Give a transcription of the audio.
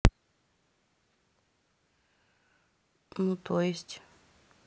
ну то есть